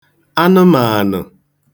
anụmàànụ̀